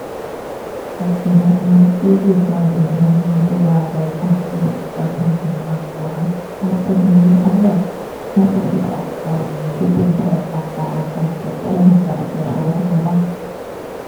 ข้อยสิแนะนำซีรีส์เกาหลีเรื่องหนึ่งชื่อว่าแดจังกึม จอมนางแห่งวังหลวง เลาเป็นแม่หญิงคนแรกในประวัติศาสตร์เกาหลีที่เป็นแพทย์รักษาอาการเจ็บป่วยให้กับชื่อพระวงศ์ในวัง